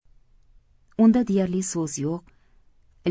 unda deyarli so'z yo'q